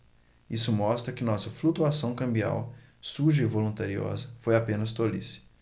isso mostra que nossa flutuação cambial suja e voluntariosa foi apenas tolice